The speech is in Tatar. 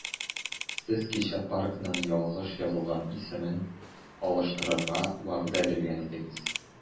Сез кичә паркның ялгыш язылган исемен алыштырырга вәгъдә биргән идегез.